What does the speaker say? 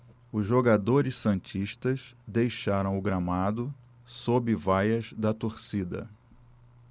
os jogadores santistas deixaram o gramado sob vaias da torcida